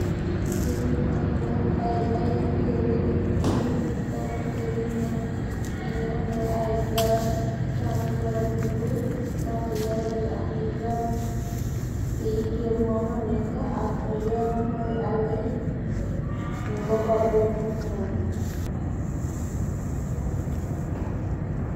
Amna keur yunj tabakh neek fi nyakh munge ame aye garap tati garap yu bari garap yu am lu werta fi keur mufa neka ak yun boi aweh nyung ku corget bu nyul